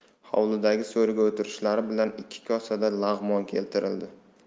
hovlidagi so'riga o'tirishlari bilan ikki kosada lag'mon keltirildi